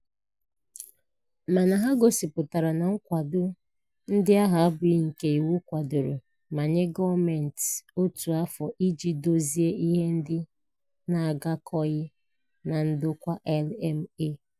Mana ha gosipụtara na ndokwa ndị ahụ abụghị nke iwu kwadoro ma nye gọọmentị otu afọ iji dozie ihe ndị na-agakọghị na ndokwa LMA.